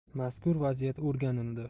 mazkur vaziyat o'rganildi